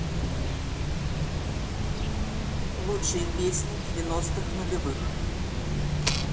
лучшие песни девяностых нулевых